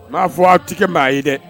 M'a fɔ aw ti kɛ maa ye dɛ